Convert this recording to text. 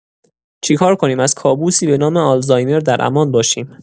چیکار کنیم از کابوسی به نام آلزایمر در امان باشیم؟